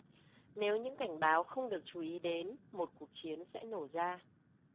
nếu những cảnh báo không được chú ý đến một cuộc chiến sẽ nổ ra